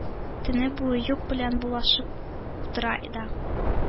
Төне буе юк белән булашып утыра да...